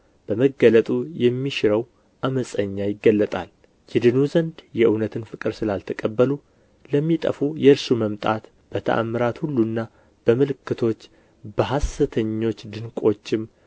በመገለጡ የሚሽረው ዓመፀኛ ይገለጣል ይድኑ ዘንድ የእውነትን ፍቅር ስላልተቀበሉ ለሚጠፉ የእርሱ መምጣት በተአምራት ሁሉና በምልክቶች በሐሰተኞች ድንቆችም